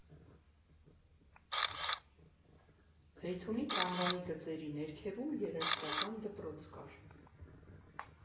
Զեյթունի տրամվայի գծերի ներքևում երաժշտական դպրոց կար։